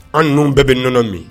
An ninnu bɛɛ bɛ nɔnɔ min